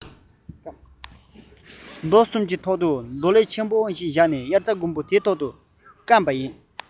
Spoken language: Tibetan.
རྡོ གསུམ གྱི ཐོག ཏུ རྡོ ལེབ ཆེན པོ ཞིག བཞག དབྱར རྩྭ དགུན འབུ དེའི ཐོག ཏུ ཚོམ བུ ཚོམ བུར བྱས ནས བསྐམས